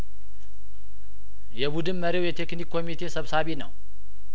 የቡድን መሪው የቴክኒክ ኮሚቴ ሰብሳቢ ነው